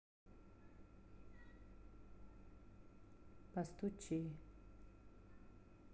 постучи